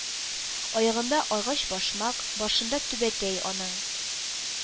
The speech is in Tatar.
— аягында агач башмак, башында түбәтәй аның.